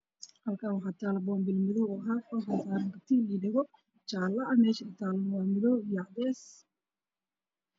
Halkaan waxaa yaalo boonbalo madow ah waxaa kujiro katiin, dhago oo jaale ah meesha ay taalo waa cadeys.